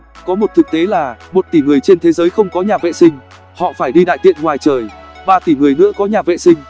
có một thực tế là một tỷ người trên thế giới không có nhà vệ sinh họ phải đi đại tiện ngoài trời ba tỷ người nữa có nhà vệ sinh